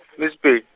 le Sepedi.